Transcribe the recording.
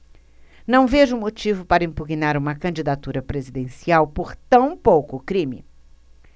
não vejo motivo para impugnar uma candidatura presidencial por tão pouco crime